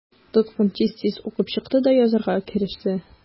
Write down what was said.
Тоткын тиз-тиз укып чыкты да язарга кереште.